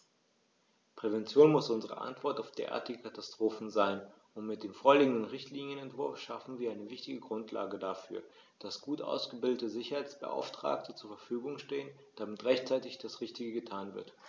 Prävention muss unsere Antwort auf derartige Katastrophen sein, und mit dem vorliegenden Richtlinienentwurf schaffen wir eine wichtige Grundlage dafür, dass gut ausgebildete Sicherheitsbeauftragte zur Verfügung stehen, damit rechtzeitig das Richtige getan wird.